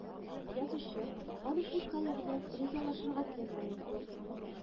Язучы, аның үз хәле белән ризалашырга теләмәвен күр